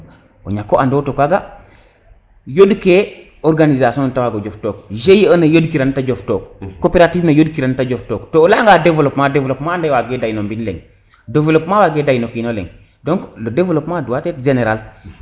o ñako ando to kaga yond ke organisation te wago jof toog GIE ne yond kiran te jof took cooperative ne yond kiran te jof took to o leya nga developpement developpement wage dey no mbin leŋ developpement wage dey no kino leng donc le developpement doit etre generale